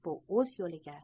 bu o'z yo'liga